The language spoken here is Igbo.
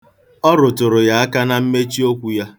Ọ rụtụrụ ya aka na mmechi okwu ya.